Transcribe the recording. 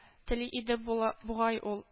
Тели иде була бугай ул